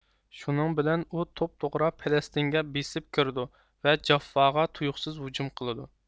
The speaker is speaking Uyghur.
شۇنىڭ بىلەن ئۇ توپتوغرا پەلەستىنگە بېسىپ كىرىدۇ ۋە جاففاغا تۇيۇقسىز ھۇجۇم قىلىدۇ